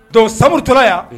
Don satɔ yan